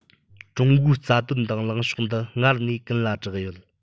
ཀྲུང གོའི རྩ དོན དང ལངས ཕྱོགས འདི སྔར ནས ཀུན ལ བསྒྲགས ཡོད